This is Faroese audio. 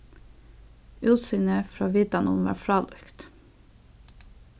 útsýnið frá vitanum var frálíkt